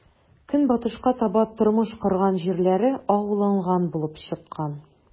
Көнбатышка таба тормыш корган җирләре агуланган булып чыккан.